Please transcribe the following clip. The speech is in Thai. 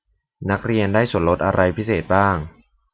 นักเรียนได้ส่วนลดอะไรพิเศษบ้าง